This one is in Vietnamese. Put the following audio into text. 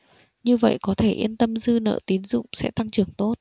như vậy có thể yên tâm dư nợ tín dụng sẽ tăng trưởng tốt